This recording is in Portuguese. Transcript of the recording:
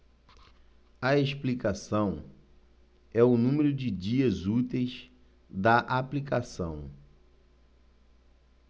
a explicação é o número de dias úteis da aplicação